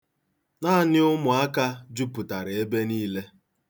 Naanị ụmụaka jupụtara ebe niile.